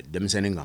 Denmisɛnnin in kan